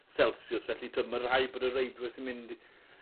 celsiws felly t'wd ma' rhai' bod y reidwyr sy'n mynd